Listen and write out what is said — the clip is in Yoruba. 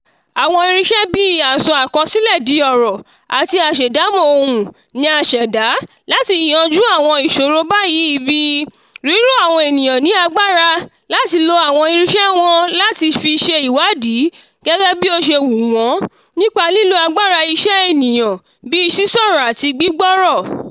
Àwọn irinṣẹ́ bí i asọ-àkọsílẹ̀- di ọ̀rọ̀ àti aṣèdámọ̀ ohun ni a ṣèdá láti yanjú àwọn ìsòro báyìí bí i: ríró àwọn ènìyan ní agbára láti lo àwọn irinṣẹ́ wọn láti fi ṣe ìwádìí gẹ́gẹ́ bí ó ṣe wù wọ́n, nípa lílo agbára-iṣẹ́ ènìyàn bí i sísọ̀rọ̀ àti gbígbọ́rọ̀.